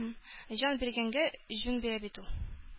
Җан биргәнгә җүн бирә бит ул.